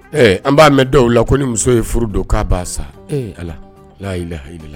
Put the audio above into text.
Ɛɛ an b'a mɛn dɔw la ko ni muso ye furu don k'a ba sa ala layilayila